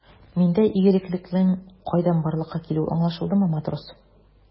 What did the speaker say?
Миндә игелеклелекнең кайдан барлыкка килүе аңлашылдымы, матрос?